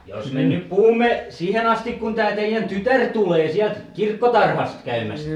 jos me nyt puhumme siihen asti kun tämä teidän tytär tulee sieltä kirkkotarhasta käymästä